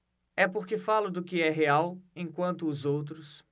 é porque falo do que é real enquanto os outros